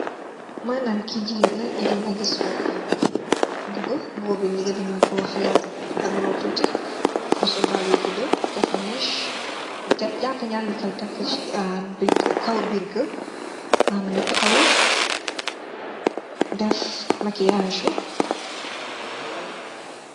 Maanam Kii jigéen gaa ni sol mbubu. Mbubu bi ndingale ñung ko xawa dang loo tuuti, mu sol daalë yu guddu, def méés, jaapu ñaar i loxo yi def ko si kow biir ba. Mu ngi taxaw, def makiyaasu.